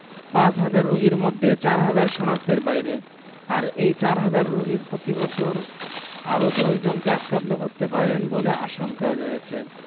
পাঁচহাজার রোগীর মধ্যে চারহাজার শনাক্তের বাইরে আর এ চারহাজার রোগীর প্রতিবছর আরও ১০ জনকে আক্রান্ত করতে পারেন বলে আশঙ্কা রয়েছে